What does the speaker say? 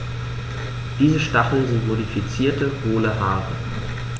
Diese Stacheln sind modifizierte, hohle Haare.